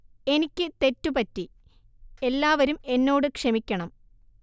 എനിക്ക് തെറ്റു പറ്റി എല്ലാവരും എന്നോട് ക്ഷമിക്കണം